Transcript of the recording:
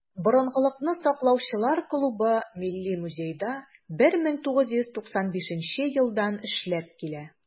"борынгылыкны саклаучылар" клубы милли музейда 1995 елдан эшләп килә.